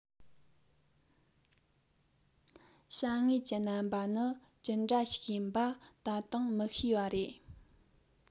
བྱ དངོས ཀྱི རྣམ པ ནི ཅི འདྲ ཞིག ཡིན པ ད དུང མི ཤེས པ རེད